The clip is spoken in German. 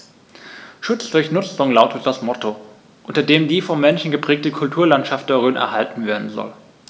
„Schutz durch Nutzung“ lautet das Motto, unter dem die vom Menschen geprägte Kulturlandschaft der Rhön erhalten werden soll.